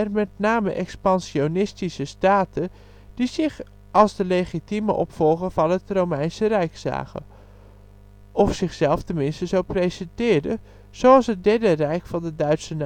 met name expansionistische) staten die zich als de legitieme opvolger van het Romeinse Rijk zagen, of zichzelf tenminste zo presenteerden, zoals het Derde Rijk van de Duitse